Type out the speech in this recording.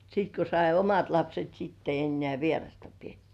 sitten kun sai omat lapset sitten ei enää vierasta pidetty